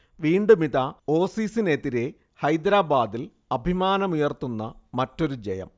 വീണ്ടുമിതാ, ഓസീസിനെതിരെ ഹൈദരാബാദിൽ അഭിമാനമുയർത്തുന്ന മറ്റൊരു ജയം